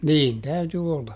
niin täytyi olla